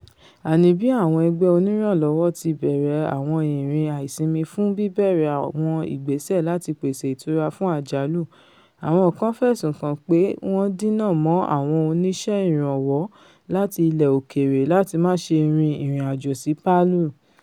Àní bí àwọn ẹgbẹ́ onírànlọ́wọ́ ti bẹ̀rẹ̀ àwọn ìrìn àìsinmi fún bíbẹ̀rẹ̀ àwọn ìgbésẹ̀ láti pèsè ìtura fún àjálù, àwọn kan fẹ̀sùn kan pé wọ́n dínà mọ́ àwọn oníṣẹ́ ìrànwọ́ láti ilẹ̀-òkèèrè láti máṣe rin ìrìn-àjò sí Palu.